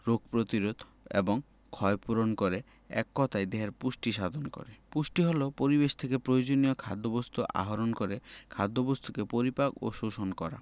রোগ প্রতিরোধ এবং ক্ষয়পূরণ করে এক কথায় দেহের পুষ্টি সাধন করে পুষ্টি হলো পরিবেশ থেকে প্রয়োজনীয় খাদ্যবস্তু আহরণ করে খাদ্যবস্তুকে পরিপাক ও শোষণ করা